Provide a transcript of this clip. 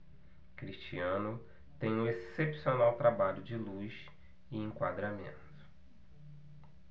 cristiano tem um excepcional trabalho de luz e enquadramento